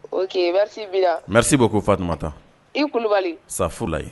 O queriri bɛ ko fatuma taa i kulubali sa furula